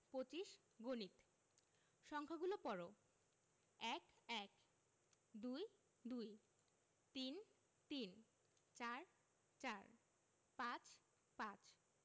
২৫ গণিত সংখ্যাগুলো পড়ঃ ১ এক ২ দুই ৩ তিন ৪ চার ৫ পাঁচ